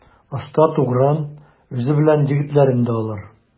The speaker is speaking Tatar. Оста Тугран үзе белән егетләрен дә алыр.